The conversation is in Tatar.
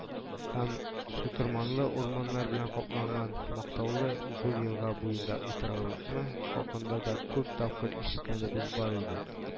Һәм чытырманлы урманнар белән капланган мактаулы зур елга буенда утырганлыкны хакында да күп тапкыр ишеткәнебез бар иде